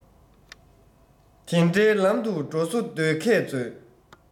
དེ འདྲའི ལམ དུ འགྲོ བཟོ སྡོད མཁས མཛོད